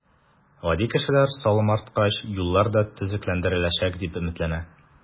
Гади кешеләр салым арткач, юллар да төзекләндереләчәк, дип өметләнә.